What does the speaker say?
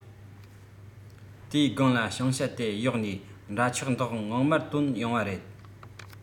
དེའི སྒང ལ ཕྱིང ཞྭ དེ གཡོག ནས འདྲ ཆགས མདོག ངང མར དོན ཡོང བ རེད